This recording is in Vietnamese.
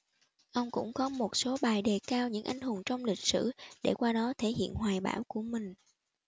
ông cũng có một số bài đề cao những anh hùng trong lịch sử để qua đó thể hiện hoài bão của mình